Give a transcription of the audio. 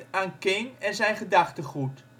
King en zijn gedachtegoed